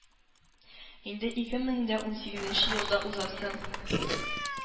Инде ике мең дә унсигезенче елда узасы